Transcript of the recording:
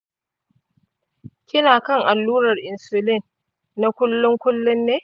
kina kan allurar insulin na kullun kullun ne?